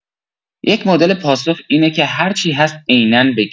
یک مدل پاسخ اینه که هر چی هست عینا بگی